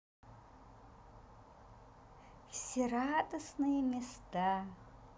все радостные места